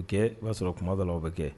O tɛ, i b'a sɔrɔ tuma dɔw la o bɛ kɛ